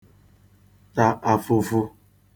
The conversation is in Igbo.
ta afụfụ